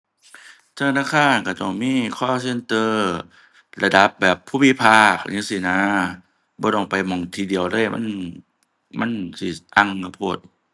ธนาคารก็ต้องมี call center ระดับแบบภูมิภาคจั่งซี้นะ บ่ต้องไปหม้องที่เดียวเลยมัน มันสิอั่งเข้าโพด